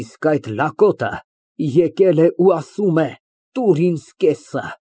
Իսկ այդ լակոտն եկել է ու ասում է, «Տուր ինձ կեսը»։